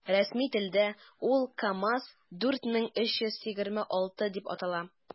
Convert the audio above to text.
Рәсми телдә ул “КамАЗ- 4326” дип атала.